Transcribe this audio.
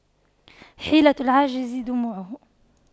حيلة العاجز دموعه